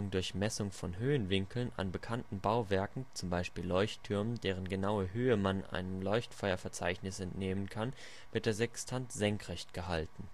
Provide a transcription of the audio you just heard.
durch Messung von Höhenwinkeln an bekannten Bauwerken, z. B. Leuchttürmen, deren genaue Höhe man einem Leuchtfeuerverzeichnis entnehmen kann, wird der Sextant senkrecht gehalten